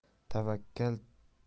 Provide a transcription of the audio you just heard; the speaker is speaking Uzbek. tavakkal tubi yel